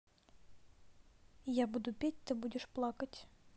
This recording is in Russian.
я буду петь ты будешь плакать